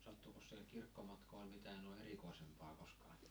sattuikos siellä kirkkomatkoilla mitään noin erikoisempaa koskaan